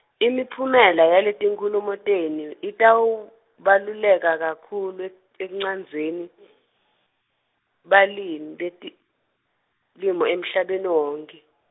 imiphumela yetinkhulumo tenu, itawubaluleka kakhulu ek- ekuncendzeni , balimi beti- limo emhlabeni wonkhe.